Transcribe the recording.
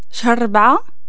شهر ربعة